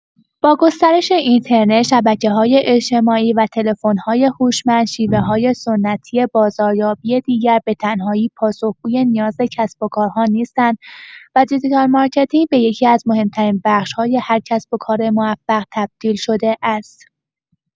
با گسترش اینترنت، شبکه‌های اجتماعی و تلفن‌های هوشمند، شیوه‌های سنتی بازاریابی دیگر به‌تنهایی پاسخ‌گوی نیاز کسب‌وکارها نیستند و دیجیتال مارکتینگ به یکی‌از مهم‌ترین بخش‌های هر کسب‌وکار موفق تبدیل شده است.